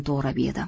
to'g'rab yedim